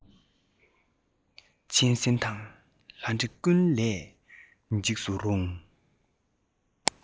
གཅན གཟན དང ལྷ འདྲེ ཀུན ལས འཇིགས སུ རུང